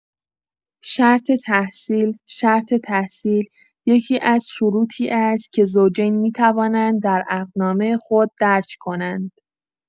شرط تحصیل شرط تحصیل یکی‌از شروطی است که زوجین می‌توانند در عقدنامه خود درج کنند.